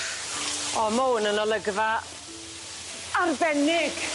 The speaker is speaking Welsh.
O ma' 'wn yn olygfa arbennig.